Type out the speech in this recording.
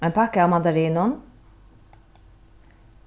ein pakka av mandarinum